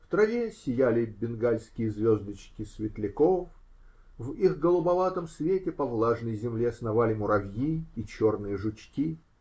В траве сияли бенгальские звездочки светляков, и в их голубоватом свете по влажной земле сновали муравьи и черные жучки.